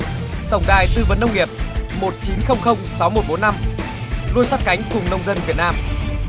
tổng đài tư vấn nông nghiệp một chín không không sáu một bốn năm luôn sát cánh cùng nông dân việt nam